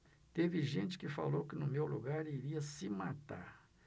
teve gente que falou que no meu lugar iria se matar